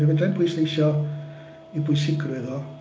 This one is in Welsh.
Fedra i'm pwysleisio ei bwysigrwydd o.